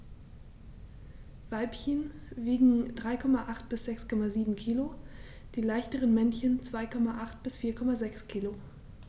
Weibchen wiegen 3,8 bis 6,7 kg, die leichteren Männchen 2,8 bis 4,6 kg.